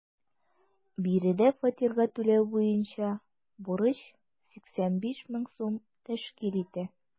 Биредә фатирга түләү буенча бурыч 85 мең сум тәшкил итә.